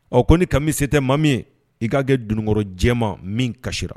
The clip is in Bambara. Ɔ ko ni ka misɛ tɛ ma min ye i k'a kɛ dununkɔrɔjɛ ma min kasira